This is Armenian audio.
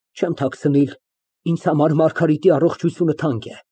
Չեմ թաքցնիլ, ինձ համար Մարգարիտի առողջությունը թանկ է։